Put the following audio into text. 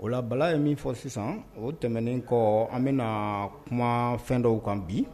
O la bala ye min fɔ sisan o tɛmɛnen kɔ an bɛna na kuma fɛn dɔw kan bi